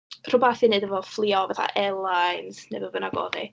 Rhywbeth i wneud efo fflio fatha airlines neu be bynnag oedd hi...